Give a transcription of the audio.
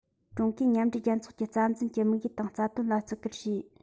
ཀྲུང གོས མཉམ འབྲེལ རྒྱལ ཚོགས ཀྱི རྩ འཛིན གྱི དམིགས ཡུལ དང རྩ དོན ལ བརྩི བཀུར བྱེད